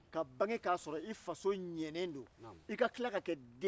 cɛkɔrɔba in tɔgɔ tun ye ko sabali